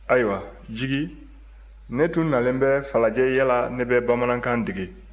ayiwa jigi ne tun nalen bɛ falajɛ yala ne bɛ bamanankan dege